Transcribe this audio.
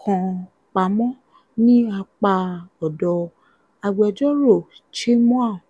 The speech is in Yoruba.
kan pamọ́ ní apá ọ̀dọ̀ agbẹjọ́rò Tchimou.